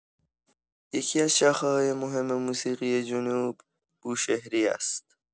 یکی‌از شاخه‌های مهم موسیقی جنوب، بوشهری است.